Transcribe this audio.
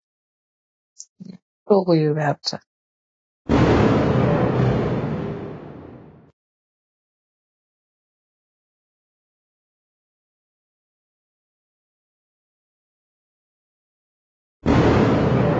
Toogu yu wertah.